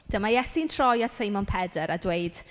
Dyma Iesu'n troi at Seimon Pedr a dweud